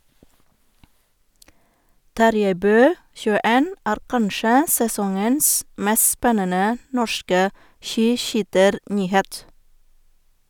Tarjei Bø , 21, er kanskje sesongens mest spennende norske skiskytternyhet.